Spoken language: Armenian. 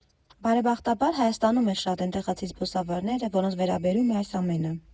Բարեբախտաբար, Հայաստանում էլ շատ են տեղացի զբոսավարները, որոնց վերաբերում է այս ամենը։